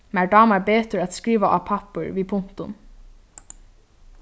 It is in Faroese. mær dámar betur at skriva á pappír við puntum